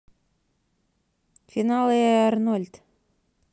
final эй арнольд